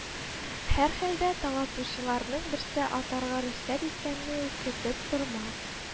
Һәрхәлдә, талатучыларның берсе атарга рөхсәт иткәнне көтеп тормас